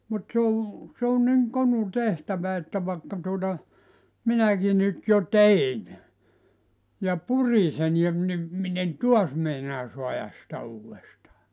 mutta se on se on niin konu tehtävä että vaikka tuota minäkin nyt jo tein ja purin sen ja - niin minä en taas meinaa saada sitä uudestaan